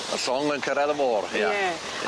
Yr llong yn cyrradd y môr ia. Ie.